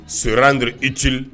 Se an g i ci